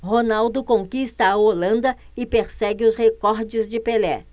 ronaldo conquista a holanda e persegue os recordes de pelé